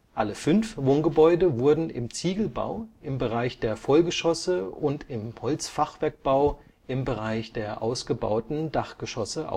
Alle fünf Wohngebäude wurden im Ziegelbau im Bereich der Vollgeschosse und im Holzfachwerkbau im Bereich der ausgebauten Dachgeschosse